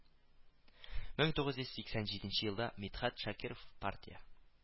Мең тугыз йөз сиксән җиденче елда мидхәт шакиров партия